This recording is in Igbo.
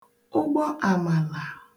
ụgbọ àmàlà